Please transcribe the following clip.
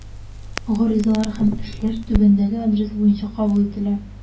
Гаризалар һәм эшләр түбәндәге адрес буенча кабул ителә.